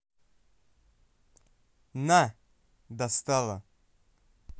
на достала